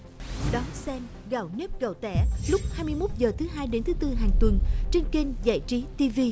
đón xem gạo nếp gạo tẻ lúc hai mươi mốt giờ thứ hai đến thứ tư hàng tuần trên kênh giải trí ti vi